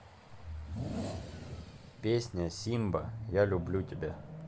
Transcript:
песня симба я люблю тебя